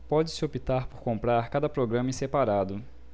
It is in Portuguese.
pode-se optar por comprar cada programa em separado